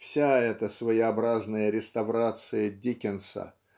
вся эта своеобразная реставрация Диккенса